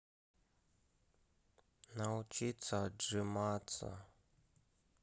научиться отжиматься